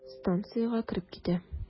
Станциягә кереп китә.